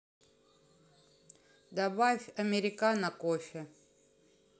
добавь американо кофе